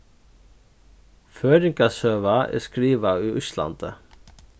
føroyingasøga er skrivað í íslandi